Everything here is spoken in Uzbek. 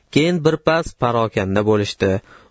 keyin birpas parokanda bo'lishdi da